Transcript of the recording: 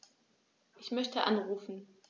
Ich möchte anrufen.